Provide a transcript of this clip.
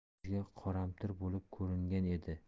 bizga qoramtir bo'lib ko'ringan edi